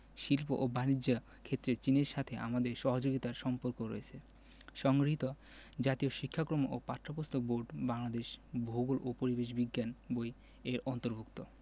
শিল্প ও বানিজ্য ক্ষেত্রে চীনের সাথে আমাদের সহযোগিতার সম্পর্কও রয়েছে সংগৃহীত জাতীয় শিক্ষাক্রম ও পাঠ্যপুস্তক বোর্ড বাংলাদেশ ভূগোল ও পরিবেশ বিজ্ঞান বই এর অন্তর্ভুক্ত